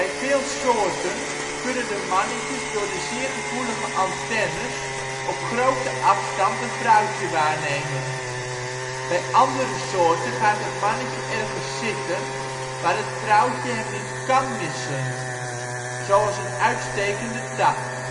veel soorten kunnen de mannetjes door de zeer gevoelige antennes op grote afstand een vrouwtje waarnemen. Bij andere soorten gaat het mannetje ergens zitten waar het vrouwtje hem niet kán missen, zoals een uit-stekende tak